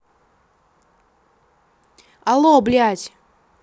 алло блять